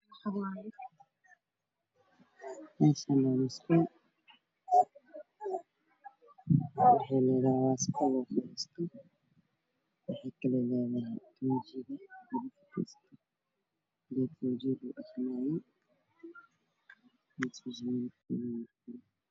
Meeshaan waxaa masjid waxaa dhax fadhiyo niman gacmaha waxey ku heestaan kitaabo